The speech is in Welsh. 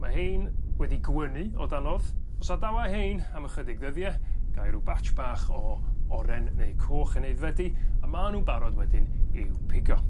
Ma 'hein wedi gwynu odanodd os adawa 'hein am ychydig ddyddie gai ryw batch bach o oren neu coch yn aeddfedu a ma' nw'n barod wedyn i'w pigio.